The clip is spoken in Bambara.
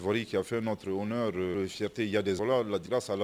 Cɛfɛ nɔ tun u ne sɛte yad sɔrɔla laj sa la